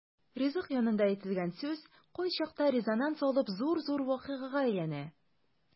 Ризык янында әйтелгән сүз кайчакта резонанс алып зур-зур вакыйгага әйләнә.